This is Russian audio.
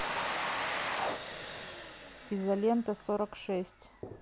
изолента сорок шесть